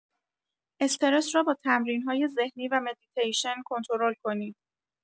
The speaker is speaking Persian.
استرس را با تمرین‌های ذهنی و مدیتیشن کنترل کنید.